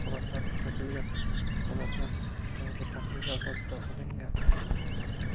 holatlari kuzatilgan holatlar hisob kitobi tahlili asosida olingan